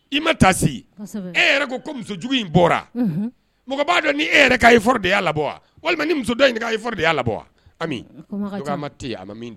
I ma se e ko musojugu in bɔra mɔgɔ b'a dɔn ni e yɛrɛ de la walima muso de y la